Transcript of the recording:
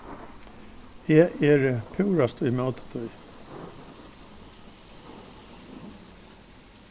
eg eri púrasta ímóti tí